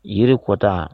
Jiri kɔta